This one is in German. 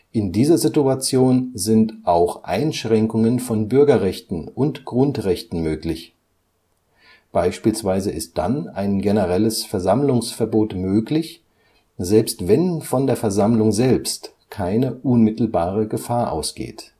In dieser Situation sind auch Einschränkungen von Bürgerrechten und Grundrechten möglich. Beispielsweise ist dann ein generelles Versammlungsverbot möglich, selbst wenn von der Versammlung selbst keine unmittelbare Gefahr ausgeht